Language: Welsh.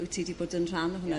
wyt ti 'di bod yn rhan o hwnna